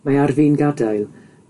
Mae ar fin gadael